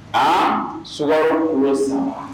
Aaa sugaro kilo 3